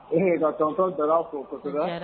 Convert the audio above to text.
O kun ye ka tonton Dara fo Kɔsɛbɛ